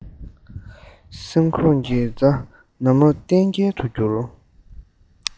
སེམས ཁོང གི མཛའ ན མོར གཏན འགལ དུ གྱུར